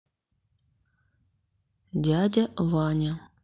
дядя ваня